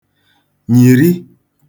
nyìri